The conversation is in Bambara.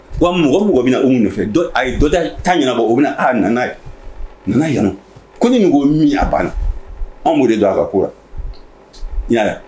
Wa mɔgɔ mɔgɔ bɛ na u nɔfɛ a ye dɔda tan ɲɛnabɔ o bɛna aa nana ye nana ɲɛna ko ni n min banna anw de don a ka kora yalaa